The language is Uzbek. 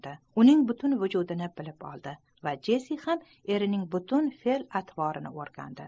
uning butun borlig'ini bilib oldi va jessi ham erining butun fel atvorini o'rgandi